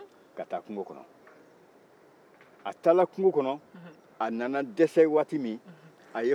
a taara kungo kɔnɔ a nana dɛsɛ waati min a ye warawɔ dɔ ye